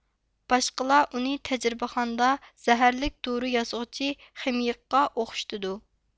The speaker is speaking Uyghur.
باشقىلار ئۇنى تەجرىبىخانىدا زەھەرلىك دورا ياسىغۇچى خىمىيىكقا ئوخشىتىدۇ